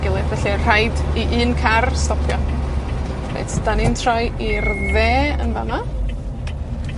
gilydd, felly o' rhaid i un car stopio. Reit 'dan ni'n troi i'r dde. yn fama.